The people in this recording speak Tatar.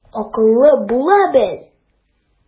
Акыллы була бел.